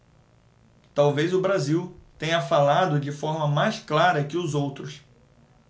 talvez o brasil tenha falado de forma mais clara que os outros